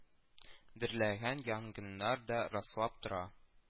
Дөрләгән янгыннар да раслап тора